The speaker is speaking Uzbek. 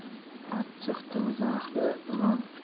achchiq til zahri ilon